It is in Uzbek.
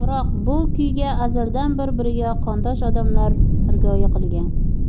biroq bu kuyga azaldan bir biriga qondosh odamlar hirgoya qilgan